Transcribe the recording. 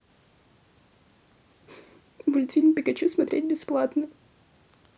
мультфильм пикачу смотреть бесплатно